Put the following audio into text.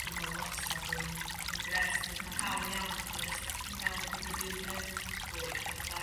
dwi me'wl wastad yn yn grêt achos ma'n hawdd iawn fatha jyst mewn mynd yn rili mewnblyg a fatha...